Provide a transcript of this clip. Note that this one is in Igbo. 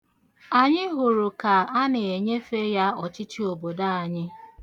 Anyị hụrụ ka ana-enyefe ya ọchịchị obodo anyị.